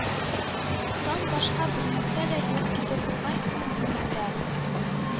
Тан башка бернәрсә дә юк иде бугай ул бүлмәдә